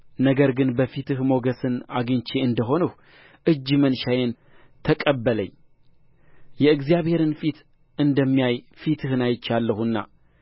ነገር ግን በፊትህ ሞገስን አግኝቼ እንደ ሆንሁ እጅ መንሻዬን ተቀበለኝ የእግዚአብሔርን ፊት እንደሚያይ ፊትህን አይቼአለሁና